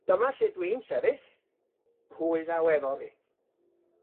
Dyma lle dwi'n sefyll, pwy ddaw efo fi?